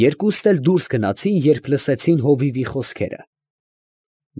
Երկուսն էլ դուրս գնացին, երբ լսեցին հովիվի խոսքերը։